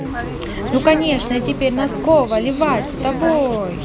ну конечно и теперь носкова ливать с тобой